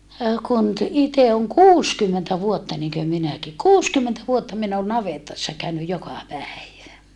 kun - itse on kuusikymmentä vuotta niin kuin minäkin kuusikymmentä vuotta minä olen navetassa käynyt joka päivä